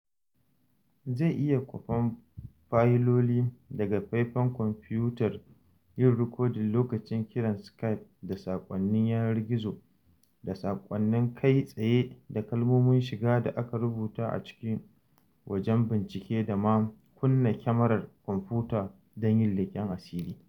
Zai iya kwafan fayiloli daga faifin kwamfutar, yin rikodin lokacin ƙiran Skype da saƙonnin yanar gizo da saƙonnin kai tsaye da kalmomin shiga da aka rubuta a cikin wajen bincike da ma kunna kyamarar kwamfuta don yin leƙen asiri.